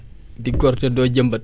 di gor te doo jëmbat